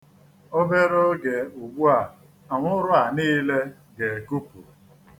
Obere oge ugbua, anwụrụ a niile ga-ekupu.